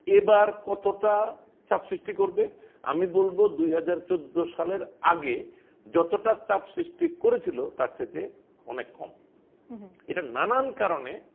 এবার কতটা চাপ সৃষ্টি করবে আমি বলব ২০১৪ সালের আগে যতটা চাপ সৃষ্টি করেছিল তার চাইতে অনেক কম এটা নানান কারণে